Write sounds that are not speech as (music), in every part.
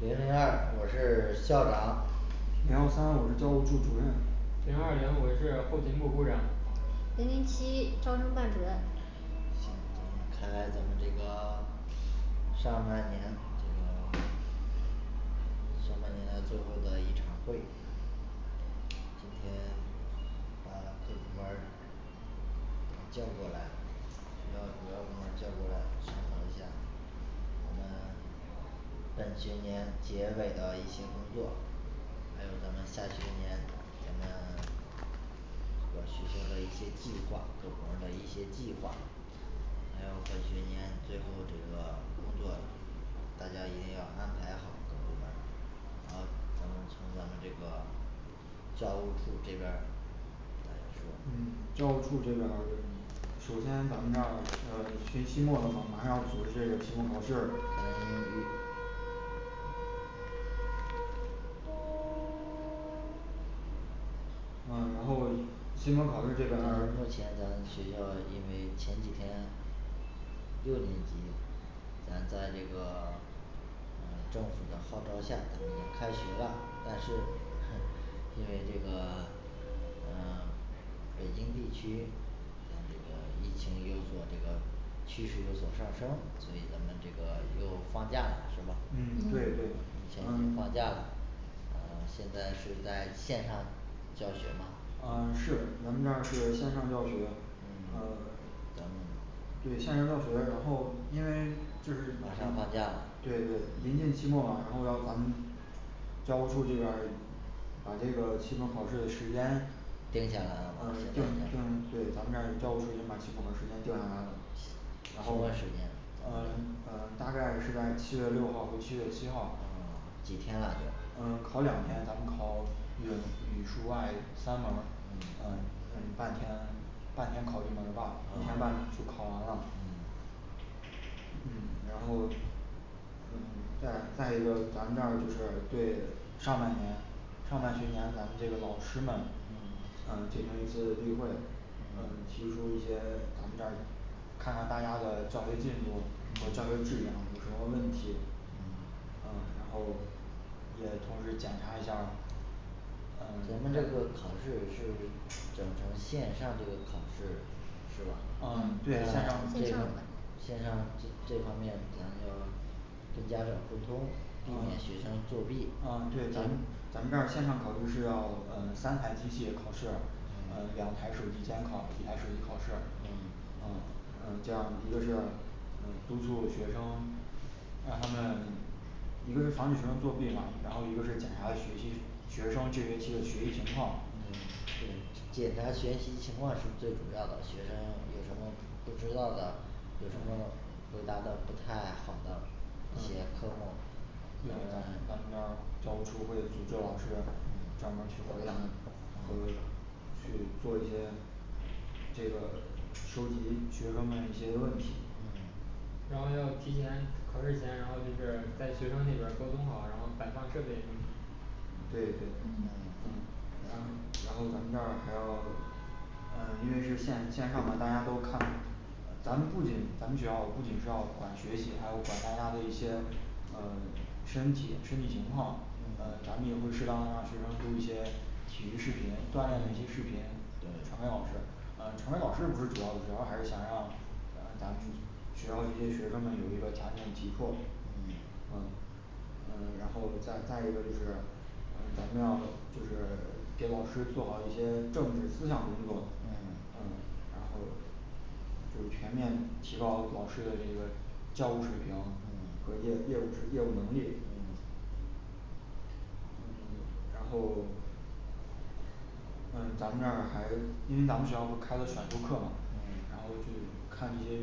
零零二我是 (silence) 校长零幺三我是教务处主任零二零我是后勤部部长零零七招生办主任嗯 (silence) 开咱们这个 (silence) 上半年嗯 (silence) 上半年最后的一场会今天把各部门儿叫过来学校主要部门儿叫过来商量一下我们本学年结尾的一些工作还有咱们下学年咱们 (silence) 和学生的一些计划，各部门儿的一些计划还有本学年最后这个工作大家一定要安排好各部门儿，啊咱们从咱们这个教务处这边儿嗯教务处这边儿 (silence) 首先咱们这儿这个学期末马上要组织这个期末考试了嗯嗯然后期末考试这边儿目前咱们学校因为前几天六年级咱在这个嗯政府的号召下已经开学了，但是 (noise) 因为这个嗯北京地区嗯这个疫情有所这个趋势有所上升，所以咱们这个又放假了是吧？疫嗯对嗯对嗯情。放假了。嗯现在是在线上？教学吗嗯是咱们这儿是线上教学呃嗯 (silence) 咱们对线上教学然后因为就是马上放假了对对临近期嗯末嘛然后要咱们教务处这边儿把这个期末考试的时间定下来了儿吗定定对咱们这儿教务处已经把期末考时间定下来了行然什后么时间呃嗯大概是在七月六号和七月七号嗯几天啦就嗯考两天咱们考嗯语数外三门儿嗯嗯半天半天考一门儿吧一天半啊就考完了嗯嗯然后嗯嗯这儿再一个咱们这儿就是对上半年上半学年咱们这个老师们嗯嗯进行一次例会，嗯嗯提出一些看看大家的教学进度和教学质量有什么问题嗯，呃然后也同时检查一下儿嗯咱们这个考试是整成线上这个考试是吧嗯对呃线线上上的呗线上这这方面咱要跟家长沟通，避免嗯学生作弊，嗯对咱们咱们这儿线上考试是要嗯三台机器考试，呃嗯两台手机监控，一台手机考试，嗯嗯嗯这样一个是呃督促学生然后呢一个是防止学生作弊嘛，然后一个是检查学习学生这学期的学习情况。嗯对检查学习情况是最主要的，学生有什么不知道的，有什么回答的不太好的写克隆嗯嗯咱嗯嗯们这儿教务处会组织老师专门儿去回答你和去做些 (silence) 这个收集学生的一些问题嗯然后要提前考试前然后就是在学生那边儿沟通好然后摆放设备对对。嗯嗯然然后咱们这儿还有嗯因为是线线上的大家都看嘛咱们不仅咱们学校不仅是要管他学习，还有管大家的一些呃身体身体情况嗯咱们也会适当的让学生读一些体育视频锻炼的一些视频成为老师呃呃成为老师不是主要的主要还是想让呃咱们学校这些学生们有一个强烈的体魄嗯嗯嗯然后再派一个就是呃咱们要就是呃给老师一好些政治思想工作嗯嗯然后就全面提高了老师的这个教育水平嗯和业业务水业务能嗯力嗯 (silence) 然后嗯咱们这儿还因为咱们学校不是开了选修课嘛嗯然后就看一些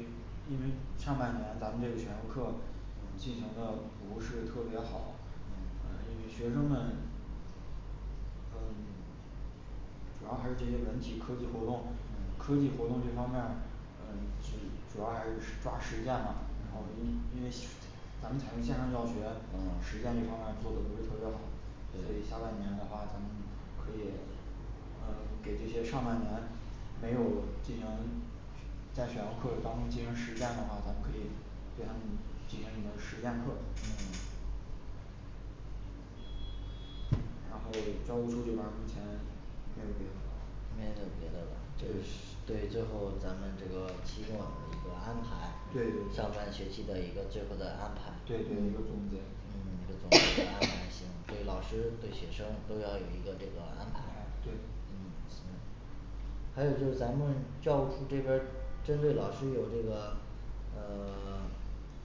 因为上半年咱们这个选修课进行嗯的不是特别好嗯，因为学生们嗯 (silence) 主要还是这些文体科技活动，嗯科技活动这方面儿，嗯只主要还是实抓实践嘛，然后一 (unintelligible) 嗯因为咱们采用线上教学，实践嗯这方面儿做的不是特别好所以对下半年的话咱们可以呃给这些上半年没有进行在学生会当中进行实践的话，咱们可以对他们进行什么实践课嗯然后教务处这边儿目前没有别的了没有别的了对最后咱们这个期末的一个安排对对，上半学期的一个最后的安排，对嗯一个嗯嗯一个总总结结 (hesitation) 安安排行排，对老师对学生都要有一个这个安排对，嗯行还有就是咱们教务处这边儿针对老师有这个呃 (silence)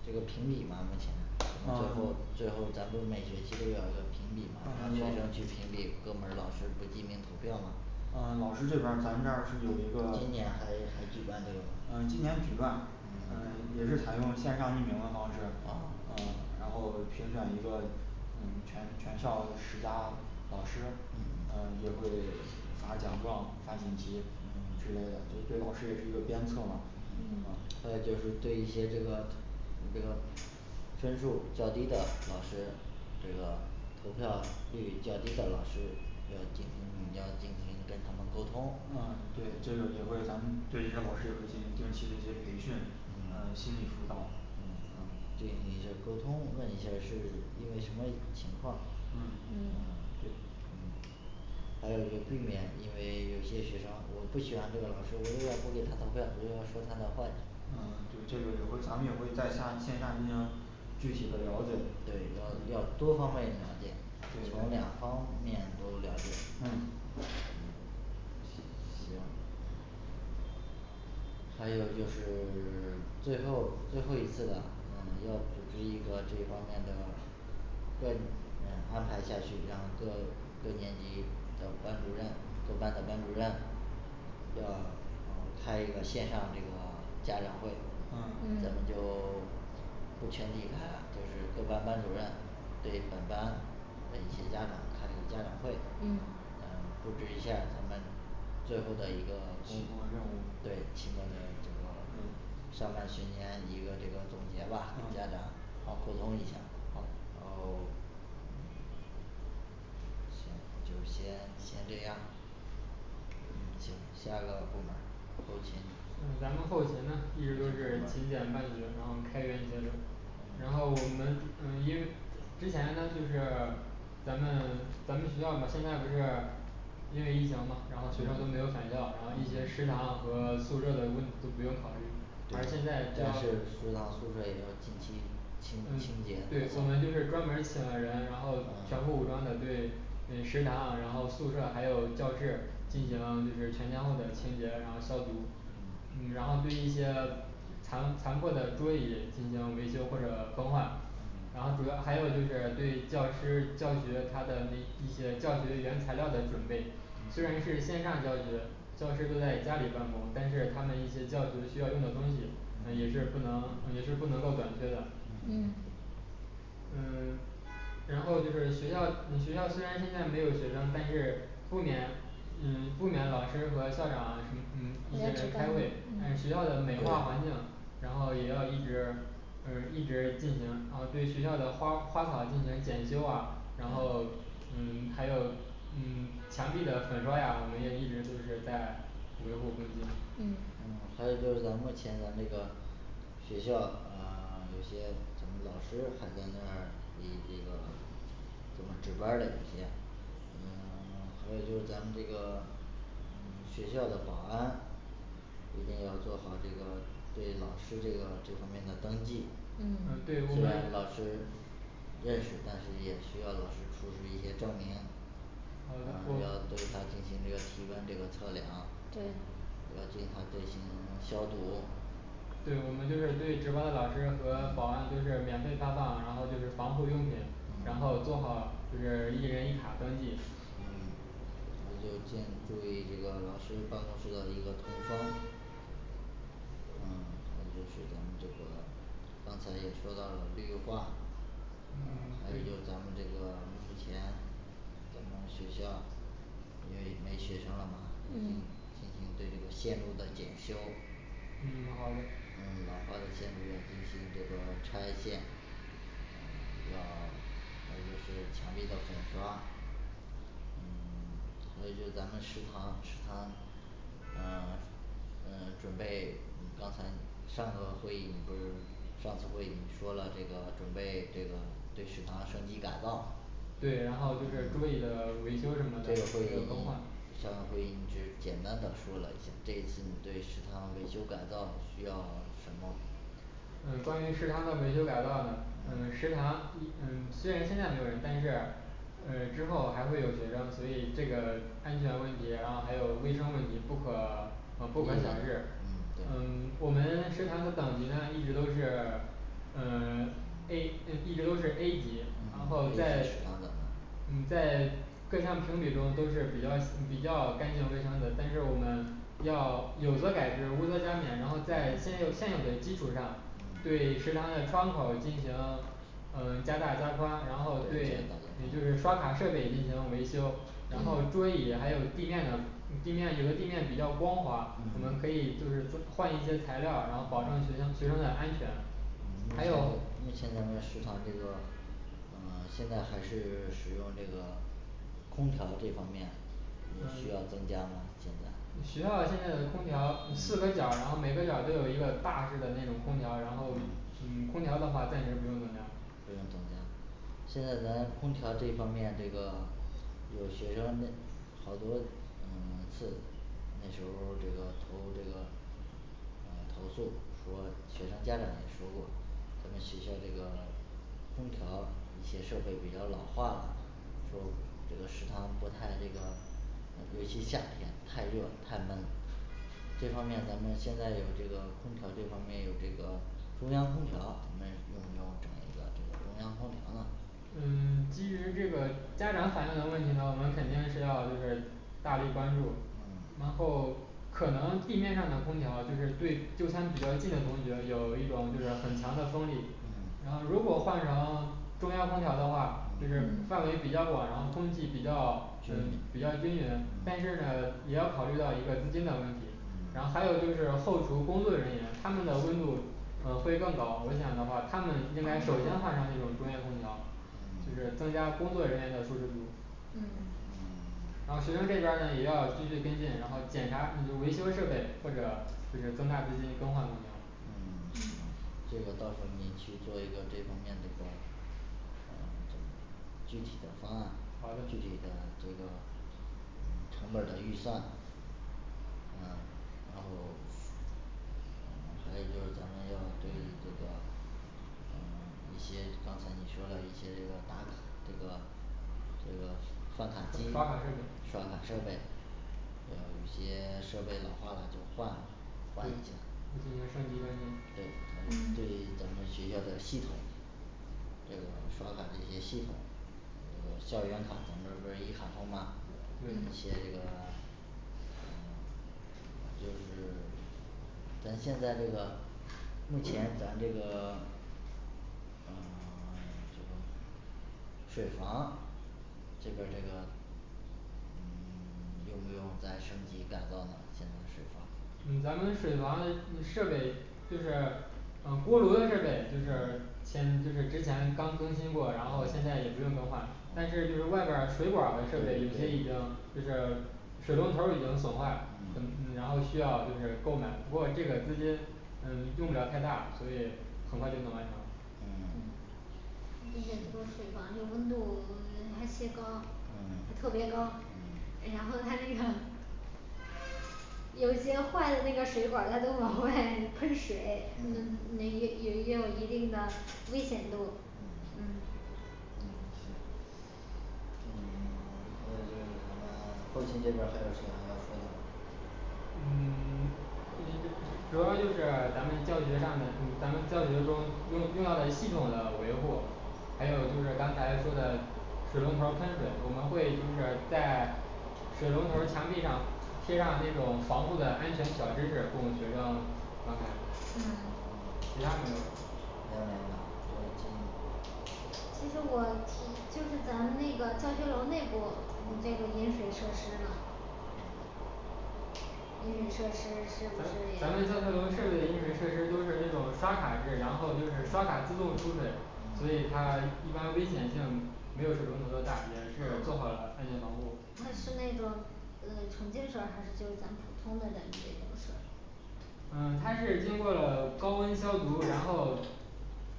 这个评比吗目前最后最后咱不是每学期都要有个评比嗯嘛，让学生去嗯评比，各部门儿老师不记名投票嘛嗯老师这边咱们这儿是有一个，今年还还举办这个吗嗯今年举办，嗯嗯也是采用线上匿名的方式，啊嗯然后评选一个嗯全全校十佳老师，嗯嗯也会拿奖状发锦旗嗯之类的，对老师也是一个鞭策嘛，嗯嗯嗯还有就是对一些这个嗯这个分数儿较低的老师这个投票率较低的老师要进行你们要进行跟他们沟通，啊嗯。啊对这个也会安对这些老师也会进行定期的一些培训啊啊心理辅导嗯嗯进行一下儿沟通问一下儿是因为什么情况嗯嗯嗯对嗯还有就避免，因为有些学生我不喜欢这个老师，我就要不给他投票，我就要说他的坏。嗯对，这个也会咱们也会在下线下进行具体的了解对要要多方面了解，对从两方面都了解嗯行还有就是 (silence) 最后最后一次了嗯要组织一个这方面的各级嗯安排一下学生各各年级还有班主任，各班的班主任要开一个线上这个家长会嗯，咱们嗯就 (silence) 不全体开啊就是各班班主任对本班的一些家长开一个家长会，嗯嗯布置一下儿咱们最后的一个期期末任务对期末任务目嗯标上半学年一个这个总结吧简单嗯的好沟通一下儿好然后嗯行就先先这样儿嗯行下个部门儿后勤嗯咱们后勤呢一直都是勤俭办学，然后开源节流嗯然后我们呃因之前呢就是咱们咱们学校嘛现在不是因为疫情嘛然后学生都没有返校然后嗯嗯一些食堂和宿舍的问题都不用考虑而现教在就要室食堂宿舍也要定期清嗯清洁对，我们就是专门儿请了人，然后全嗯副武装的对诶，食堂啊、然后宿舍还有教室进行就是嗯全天候的清洁，然后消毒嗯，嗯然后对一些残残破的桌椅进行维修或者更换嗯。然后主要还有就是对教师教学他的那一些教学原材料的准备虽然是线上教学，教师都在家里办公，但是他们一些教学需要用的东西也是嗯不能也是不能够短缺的。嗯对嗯 (silence) 然后就是你学校你学校虽然现在没有学生，但是后面嗯重点的的老师和校长嗯嗯一直没开会嗯，但是学行校的美化环境然后也要一直嗯一直进行哦对学校的花花草进行检修啊，然嗯后嗯还有嗯墙壁的粉刷呀，我们也一直都是在维护更新。嗯嗯还有就是咱目前咱这个学校，嗯 (silence) 有些我们老师还在那儿里这个咱们值班儿的一些嗯 (silence) 还有就是咱们这个嗯学校的保安一定要做好这个对老师这个这方面的登记，呃嗯对我们老师认识，但是也需要老师出示一些证明好咱们要的我对他进行这个体温这个测量，对要对他进行消毒对我们就是对值班的老师和保嗯安都是免费发放，然后就是防护用品，然后做嗯好就是一人一卡登记嗯那就先注意这个老师办公室的一个通风嗯还有就是咱们这个刚才也说到了绿化嗯还 (silence) 有就对咱们这个目前咱们学校因为没学生了嘛嗯，进行对这个线路的检修嗯好嘞嗯老化的线路要进行这个拆卸要还有就是墙壁的粉刷嗯 (silence) 还有就咱们食堂食堂呃 (silence) 嗯准备你刚才你上个会议你不是上次会议你说了，这个准备这个对食堂的升级改造对，然后就是嗯注意的维修什么的对都会你更换。上回你只简单的说了一下，这一次你对食堂维修改造需要什么？嗯关于食堂的维修改造嘛，嗯嗯食堂一嗯虽然现在没有人，但是呃之后还会有学生，所以这个安全问题，然后还有卫生问题不可呃不可小视嗯。嗯我们食堂的等级呢一直都是呃 (silence) A呃一直都是A级然后在嗯食堂等嗯在各项评比中都是比较比较干净卫生的，但是我们要有则改之，无则加勉，然后在嗯现有现有的基础上嗯对食堂的窗口儿进行呃加大加宽，加大加宽然后对也就是嗯刷卡设备进行维修，然后嗯桌椅还有地面的，地面有的地面比较光滑，我们可嗯以就是更 (unintelligible) 换一些材料儿，然后保证学生学生的安全嗯目前还有目前咱们食堂这个嗯现在还是使用这个空调这方面需要增加吗现在呃学校现在的空调四个角儿嗯，然后每个角儿都有一个大致的那种空调，然后嗯嗯空调的话暂时不用增加了不用增加了现在咱空调这方面这个有学生好多嗯册子那时候儿这个给我们这个呃投诉说学生家长也说过，咱们学校这个空调一些设备比较老化了，说这个食堂不太这个呃尤其夏天太热太闷这方面咱们现在有这个空调这方面有这个中央空调，我们用不用整一个中央空调呢嗯 (silence) 基于这个家长反映的问题呢，我们肯定是要就是大力关注，嗯然后可能地面上的空调就是对就餐比较近的同学有一种就是很强的风力嗯，然后如果换成中央空调的话，就嗯是嗯范围比较广，然后风季比较均嗯匀比较均匀，但嗯是呢也要考虑到一个资金的问题。然嗯后还有就是后厨工作人员，他们的温度呃会更高，我想的话他们应该首先换成那种中央空调就嗯是增加工作人员的舒适度嗯嗯然后学生这边儿呢也要继续跟进，然后检查维维修设备或者就是增大资金更换空调。嗯行嗯这个到时候你去做一个这方面的一个具体的方案好具体嘞的这个这个嗯成本的预算嗯啊然后 (silence) 嗯还有就是咱们要对这个嗯一些刚才你说了一些这个打卡这个这个刷卡机刷卡设备刷卡设备有一些设备老化了就换了，换一下就进行升级升级对对嗯于咱们学校的系统这个刷卡这些系统呃校园卡不是不是一卡通嘛，有嗯对些这个嗯就是咱现在这个目前咱这个 (silence) 嗯 (silence) 这个水房就是这个嗯 (silence) 用不用再升级改造呢现在水房嗯咱们水房设备就是呃锅炉的设备就是前就是之前刚更新过，然后现在嗯也不用更换，但是就是嗯外边儿水管儿的设备有些已经就是水龙头儿已经损坏，嗯很然后需要就是购买，不过这个资金嗯用不了太大，所以很快就能完成嗯嗯并且说水房这个温度 (silence) 还些高，嗯他特别高嗯，然后他那个 (noise) 有一些坏的那个水管儿它都往外 (noise) 喷水，那那也也也有一定的危险度嗯。嗯嗯行嗯 (silence) 还有就是咱们后勤这边儿还有什么要说的吗嗯 (silence) 后勤主要就是咱们教学上的咱们教学中用用到的系统的维护还有就是刚才说的水龙头儿喷水，我们会就是在水龙头儿墙壁上贴上那种防护的安全小知识供我们学生观看嗯嗯，其他没有了嗯 (silence) 就听其实我提就是咱那个教学楼内部那嗯个饮水设施嘛饮水设施是不咱是也咱嗯们教学楼设备的饮水设施，都是那种刷卡式，然后就是刷卡自动出水，所以他嗯一般危险性没有水龙头的大也是，做好嗯了安全防护它是那种嗯纯净水儿，还是就是咱们普通的咱们那种水嗯它是经过了高温消毒，然后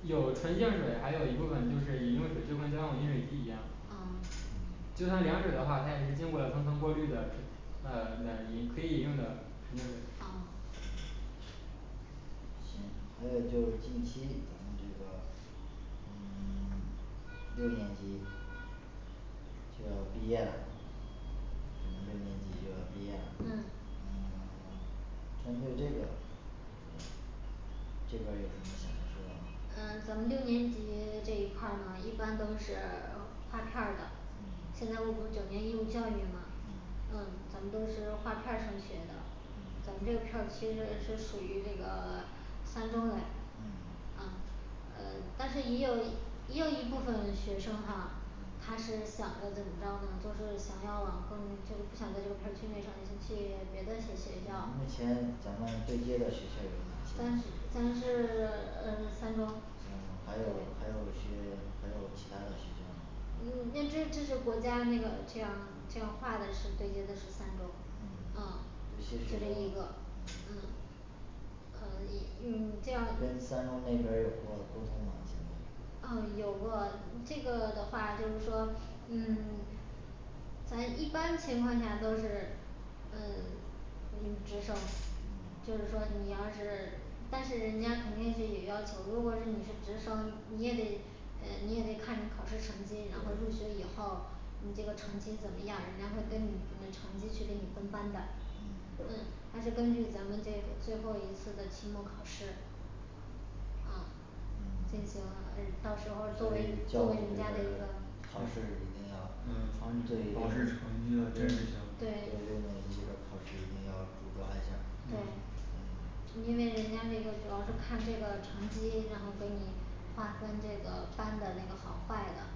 有纯净儿水，还有一部分就是饮用水，就跟加上饮水机一样啊嗯，就算凉水的话，它也是经过了层层过滤的。 是呃呃一可以饮用的纯净水啊嗯行还有就是近期咱们这个嗯 (silence) 六年级就要毕业啦咱们六年级就要毕业啦嗯嗯 (silence) 针对这个这个这边儿有什么想要说的吗嗯咱们六年级这一块儿呢一般都是划片儿的，嗯现在我不九年义务教育嘛嗯，嗯咱们都是划片儿上学的，我嗯们这个片儿区是属于这个 (silence) 三中嘞嗯嗯呃但是也有一也有一部分学生哈他是想着怎么着呢就是想要往更就是不想在这个片儿区内上学就去别的学学校嗯目前咱们对接的学校有哪些嗯还有还有些咱是 (silence) 呃三中嗯还有还有学还有其他的学校吗嗯那这这是国家那个这样这样画的，是对接的是三中这就些学这一个嗯嗯呃一嗯这样跟三中那边儿有过沟通吗现在嗯有过这个的话就是说嗯咱一般情况下都是呃 (silence) 嗯值守嗯就是说你要是但是人家肯定是也要求，如果是你是直升你也得呃你也得看你考试成绩，然后入对学以后你这个成绩怎么样，人家会跟你的成绩去给你分班的嗯，呃还是根据咱们这个最后一次的期末考试啊嗯进行呃到时候嗯作做为为教作务为人主任家的一个考试一定要嗯防止考试成绩的对真实性对对六年级的考试一定要主抓一下儿对因为人家那个主要是看这个成绩，然后给你划分这个班的这个好坏的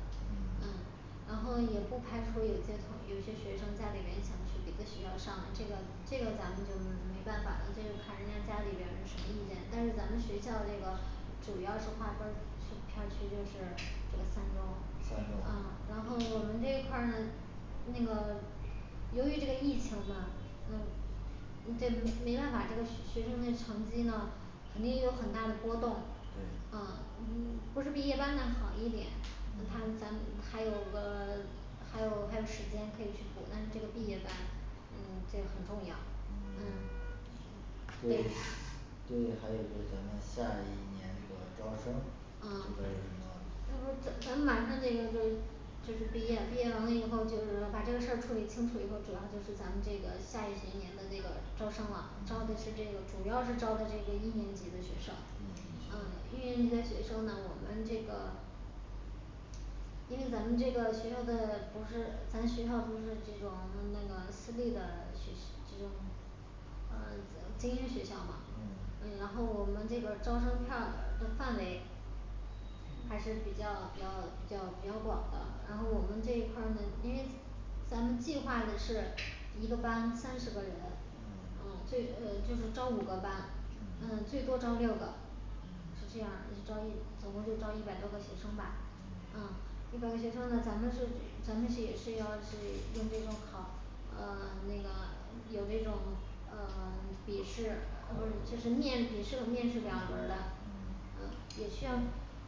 嗯嗯然后也不排除有些同有些学生家里面想去别的学校上的，这个这个咱们就嗯没办法了，这个看人家家里边儿是什么意见，但是咱们学校这个主要是划分去片儿区就是这个三三中中，啊然后我们这一块儿那个由于这个疫情吗就就是没没办法这个学学生的成绩呢肯定有很大的波动对，啊嗯不是毕业班的好一点。他们嗯咱们还有个还有还有时间可以去补，但是这个毕业班嗯这个很重要嗯嗯累累就是还有就是咱们下一年那个招生，啊这边儿怎么那不是咱咱们马上这个就是就是毕业了毕业完了以后这个把这个事儿处理清楚以后，主要就是咱们这个下一学年的这个招生了，招的嗯是这个主要是招的这个一年级的学生嗯嗯行一年级的学生呢，我们这个因为咱们这个学校的不是咱学校，不是这种那个私立的学西 (unintelligible) 这种呃呃精英学校嘛嗯，呃然后我们这个招生片儿的范围还是比较比较比较比较广的，然后我们这一块儿呢因为咱们计划的是一个班三十个人，嗯嗯嗯最呃就是招五个班嗯最多招六个是这样儿的，招一总共就招一百多个学生吧嗯嗯啊一百个学生呢咱们是咱们是也是要对用这种考呃那个有这种呃 (silence) 笔试呃不是就是面笔试和面试两轮儿的呃嗯也需要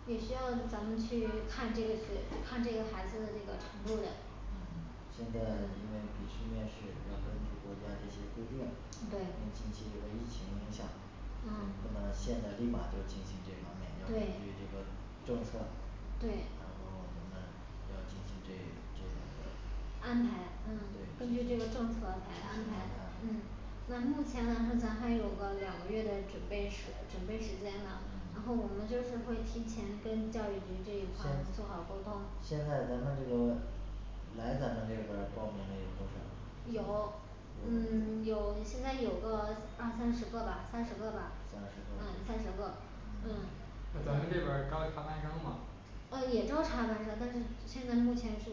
也需要咱们去看这个学看这个孩子的这个程度的对嗯现在因为必须面试要根据国家这些规定，因为对近期这个疫情影响嗯那么现在立马就进行这方面的这对些这个政策对然后咱们要进行安排这嗯这对根据这个进政策行来安安排排嗯那目前来说咱还有个两个月的准备时准备时间呢，然嗯后我们就是会提前跟教育局这一现块做好沟通，现在咱们这个来咱们这边儿报名的有多少了？有嗯有现在有个二三十个吧三十个吧嗯三十个嗯。三十个嗯嗯那咱们这边儿招插班生吗呃也招插班生，但是现在目前是